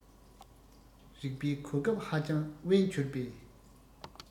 རེག པའི གོ སྐབས ཧ ཅང དབེན འགྱུར པས